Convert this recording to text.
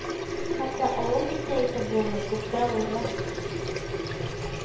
Хәтта авыр дип тә әйтеп булмый, күпкә авыррак